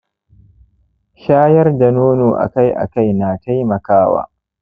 shayar da nono akai-akai na taimakawa